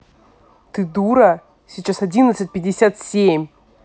ты дура сейчас одиннадцать пятьдесят семь